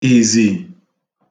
ìzì